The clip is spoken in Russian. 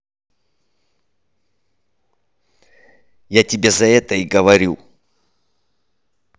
я тебе за это и говорю